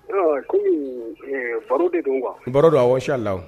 ɛɛ, komi, ɛɛ baro de baro don awɔ, in challam